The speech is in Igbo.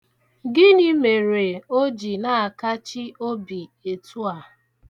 Gịnị mere o ji na-akachi obi etu a?